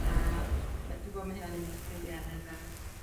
A ma'.. Dwi gwbo ma' hynna'n un o'r sgilia' yn yr yym